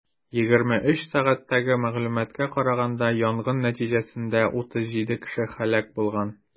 23:00 сәгатьтәге мәгълүматка караганда, янгын нәтиҗәсендә 37 кеше һәлак булган.